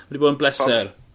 ...ma' 'di bod yn bleser.